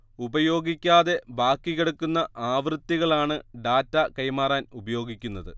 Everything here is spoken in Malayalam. ഉപയോഗിക്കാതെ ബാക്കി കിടക്കുന്ന ആവൃത്തികളാണ് ഡാറ്റാ കൈമാറാൻ ഉപയോഗിക്കുന്നത്